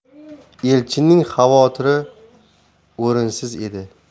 elchinning xavotiri o'rinsiz edi